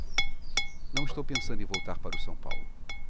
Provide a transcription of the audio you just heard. não estou pensando em voltar para o são paulo